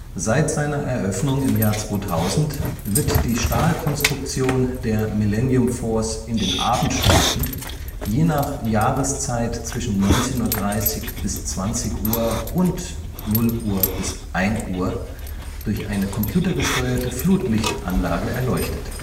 Seit seiner Eröffnung im Jahr 2000 wird die Stahlkonstruktion der Millennium Force in den Abendstunden, je nach Jahreszeit zwischen 19:30 – 20:00 Uhr und 0:00 – 1:00 Uhr, durch eine computergesteuerte Flutlichtanlage erleuchtet